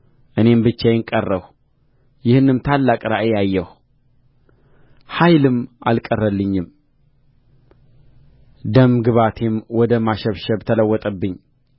እኔም ብቻዬን ቀረሁ ይህንም ታላቅ ራእይ አየሁ ኃይልም አልቀረልኝም ደም ግባቴም ወደ ማሸብሸብ ተለወጠብኝ